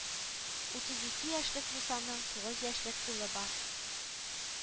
Утыз ике яшьлек мусаның тугыз яшьлек улы бар